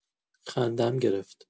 خندم گرفت.